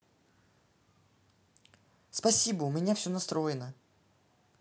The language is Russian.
спасибо у меня все настроено